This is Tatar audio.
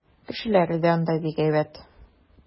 Кешеләре дә анда бик әйбәт.